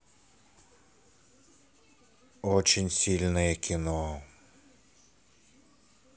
очень сильное кино